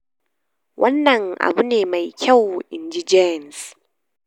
"Wannan abu ne mai kyau," in ji Jaynes.